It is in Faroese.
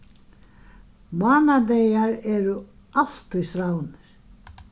mánadagar eru altíð strævnir